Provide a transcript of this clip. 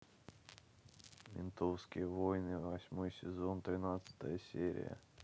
ментовские войны восьмой сезон тринадцатая серия